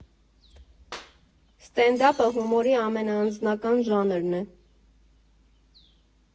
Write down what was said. Սթենդափը հումորի ամենաանձնական ժանրն է։